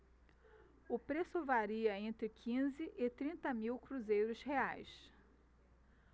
o preço varia entre quinze e trinta mil cruzeiros reais